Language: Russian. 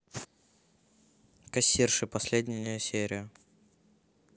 кассирши последняя серия